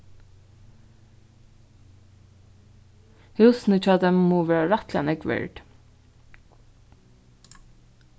húsini hjá teimum mugu vera rættiliga nógv verd